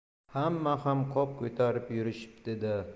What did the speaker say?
hamma ham qop ko'tarib yurishibdida